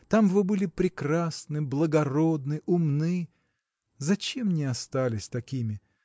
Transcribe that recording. там вы были прекрасны, благородны, умны. Зачем не остались такими?